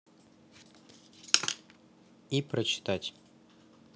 и прочитать